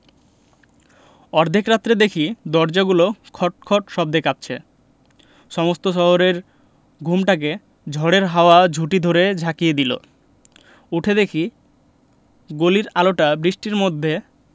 অর্ধেক রাত্রে দেখি দরজাগুলো খটখট শব্দে কাঁপছে সমস্ত শহরের ঘুমটাকে ঝড়ের হাওয়া ঝুঁটি ধরে ঝাঁকিয়ে দিলে উঠে দেখি গলির আলোটা বৃষ্টির মধ্যে